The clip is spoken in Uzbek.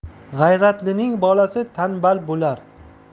g'ayratlining bolasi tanbal bo'lar